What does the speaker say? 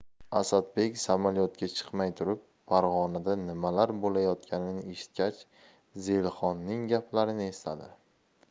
asadbek samolyotga chiqmay turib farg'onada nimalar bo'layotganini eshitgach zelixonning gaplarini esladi